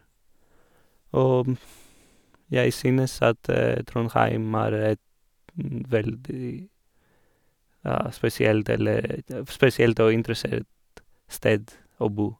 Og jeg synes at Trondheim er et veldig, ja, spesielt eller spesielt og interessert sted å bo.